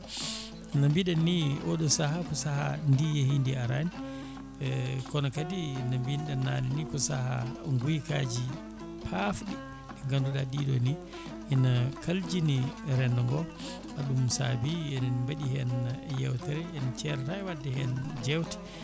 no mbiɗenni oɗo saaha ko saaha ndi yeeyi ndi arani kono kadi no mbinoɗen nane ni ko saaha guykaji paafɗi ɗi ganduɗa ɗiɗo ni ene kaljini rendo ngo ko ɗum saabi eɗen mbaɗi hen yewtere en ceerata e wadde hen jewte